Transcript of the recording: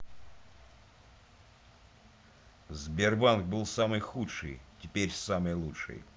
сбербанк был самый худший теперь самый лучший